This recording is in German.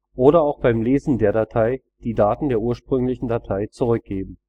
oder auch beim Lesen der Datei die Daten der ursprünglichen Datei zurückgeben